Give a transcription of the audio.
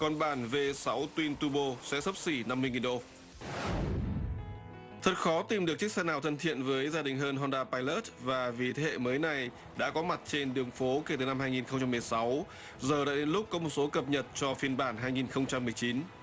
con bàn vê sáu tuyn tu bô sẽ xấp xỉ năm mươi nghìn đô thật khó tìm được chiếc xe nào thân thiện với gia đình hơn hon đa pai lớt và vì thế hệ mới này đã có mặt trên đường phố kể từ năm hai nghìn không trăm mười sáu giờ là lúc công số cập nhật cho phiên bản hai nghìn không trăm mười chín